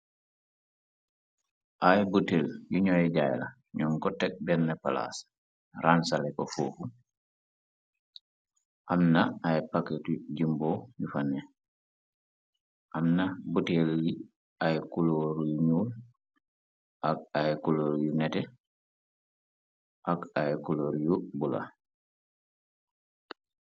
Ay butel yu ñooy jaay la ñoom ko teg benn palaas ransale ko foofu amna ay paketu jimboo yu fane am na butel li ay kulóor yu ñuul ak ay kuloor yu neteh ak ay kulor yu bula.